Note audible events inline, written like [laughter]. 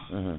[hesitation] [hesitation]